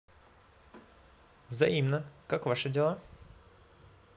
взаимно как ваши дела